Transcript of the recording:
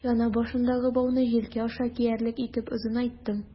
Чана башындагы бауны җилкә аша киярлек итеп озынайттым.